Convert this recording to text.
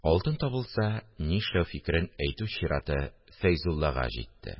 Алтын табылса, ни эшләү фикерен әйтү чираты Фәйзуллага җитте